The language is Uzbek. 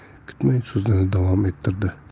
kutmay so'zini davom ettirdi